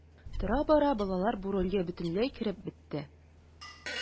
Тора-бара балалар бу рольгә бөтенләй кереп бетте.